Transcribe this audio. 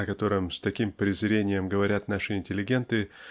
о котором с таким презрением говорят наши интеллигенты